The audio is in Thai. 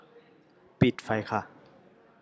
ปิดไฟค่ะ